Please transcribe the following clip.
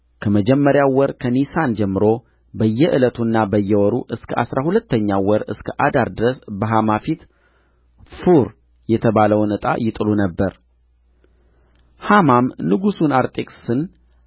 ከመጀመሪያው ወር ከኒሳን ጀምሮ በየዕለቱና በየወሩ እስከ አሥራ ሁለተኛው ወር እስከ አዳር ድረስ በሐማ ፊት ፉር የተባለውን ዕጣ ይጥሉ ነበር ሐማም ንጉሡን አርጤክስስን